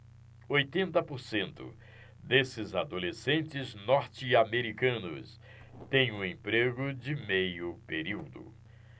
oitenta por cento desses adolescentes norte-americanos têm um emprego de meio período